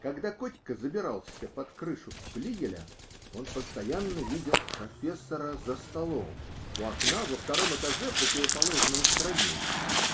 Когда Котька забирался на крышу флигеля, он постоянно видел "профессора" за столом, у окна во втором этаже противоположного строения